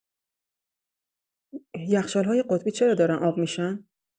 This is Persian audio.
یخچال‌های قطبی چرا دارن آب می‌شن؟